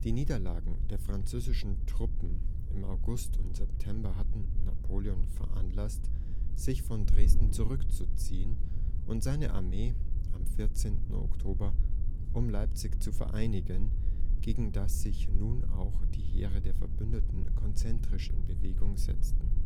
Niederlagen der französischen Truppen im August und September hatten Napoleon veranlasst, sich von Dresden zurückzuziehen und seine Armee am 14. Oktober um Leipzig zu vereinigen, gegen das sich nun auch die Heere der Verbündeten konzentrisch in Bewegung setzten